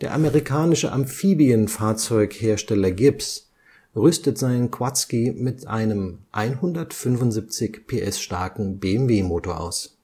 amerikanische Amphibienfahrzeughersteller Gibbs rüstet seinen Quadski mit einem 175 PS starken BMW Motor aus